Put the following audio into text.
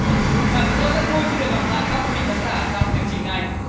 và chúng tôi rất vui khi được gặp lại các quý vị khán giả trong hành trình này